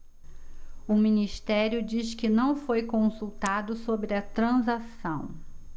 o ministério diz que não foi consultado sobre a transação